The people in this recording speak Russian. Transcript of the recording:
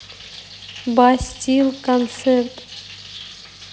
бастил концерт